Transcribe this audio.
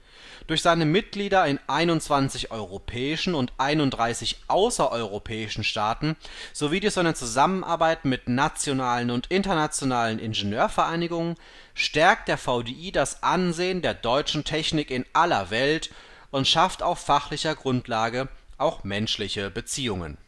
Durch seine Mitglieder in 21 europäischen und 31 außereuropäischen Staaten sowie durch seine Zusammenarbeit mit nationalen und internationalen Ingenieur-Vereinigungen stärkt der VDI das Ansehen der deutschen Technik in aller Welt und schafft auf fachlicher Grundlage auch menschliche Beziehungen